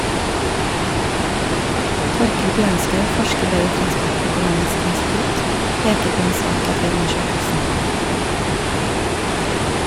Torkel Bjørnskau, forsker ved det Transportøkonomisk institutt, peker på en svakhet ved undersøkelsen.